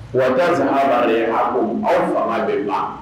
Wa saba lariba kan aw fa de la